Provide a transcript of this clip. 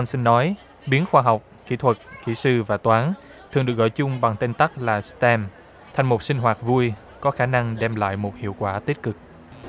xin nói biến khoa học kỹ thuật kỹ sư và toán thường được gọi chung bằng tên tắt là sờ tem thành một sinh hoạt vui có khả năng đem lại một hiệu quả tích cực